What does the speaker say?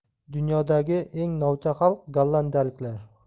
dunyodagi eng novcha xalq gollandiyaliklar